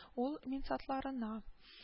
Ул минсатларына